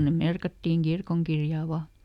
ne merkattiin kirkonkirjaan vain